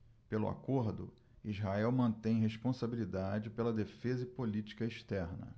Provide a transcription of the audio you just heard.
pelo acordo israel mantém responsabilidade pela defesa e política externa